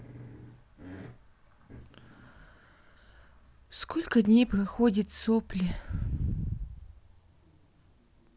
сколько дней проходит сопли